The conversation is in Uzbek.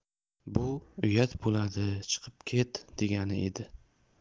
bu uyat bo'ladichiqib ket degani edi